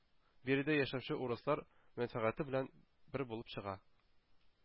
Биредә яшәүче урыслар мәнфәгате белән бер булып чыга.